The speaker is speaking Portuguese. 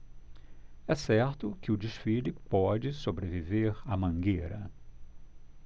é certo que o desfile pode sobreviver à mangueira